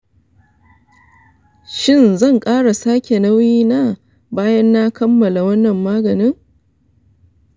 shin zan sake ƙara nauyi na bayan na kammala wannan maganin?